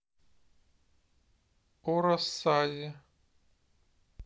о рассаде